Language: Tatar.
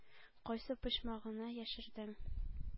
Кайсы почмагыңа яшердең?